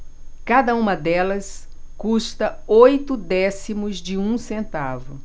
cada uma delas custa oito décimos de um centavo